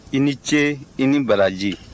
i ni ce i ni baraji